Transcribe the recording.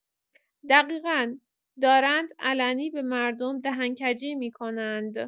دقیقا، دارند علنی به مردم دهن‌کجی می‌کنند.